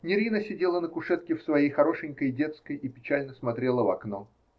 Нерина сидела на кушетке в своей хорошенькой детской и печально смотрела в окно.